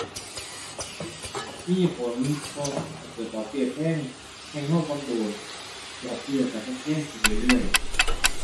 มีผล เพราะถ้าเกิดดอกเบี้ยแพง แฮ่งเราผ่อนโดน ดอกเบี้ยเราแฮ่งแพงขึ้นเรื่อยเรื่อย